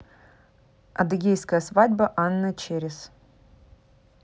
адыгейская свадьба анне через